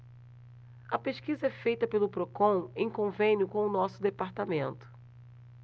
a pesquisa é feita pelo procon em convênio com o diese